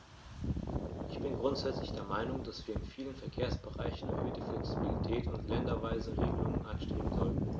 Ich bin grundsätzlich der Meinung, dass wir in vielen Verkehrsbereichen erhöhte Flexibilität und länderweise Regelungen anstreben sollten.